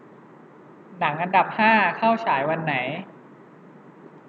หนังอันดับห้าเข้าฉายวันไหน